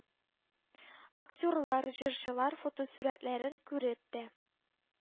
Актерлар, җырчылар фотосурәтләрен күреп тә